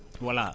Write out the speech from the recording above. voilà